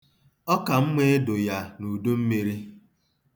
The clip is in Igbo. Ọ ka mma ịdụ ya n'udummiri.